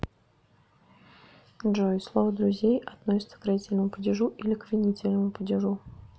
джой слово друзей относится к родительному падежу или к винительному падежу